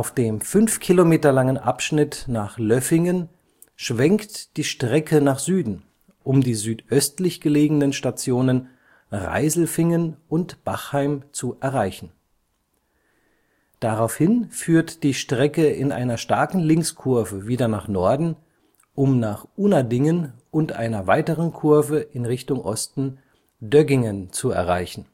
dem fünf Kilometer langen Abschnitt nach Löffingen schwenkt die Strecke nach Süden, um die südöstlich gelegenen Stationen Reiselfingen und Bachheim zu erreichen. Daraufhin führt die Strecke in einer starken Linkskurve wieder nach Norden, um nach Unadingen und einer weiteren Kurve in Richtung Osten Döggingen zu erreichen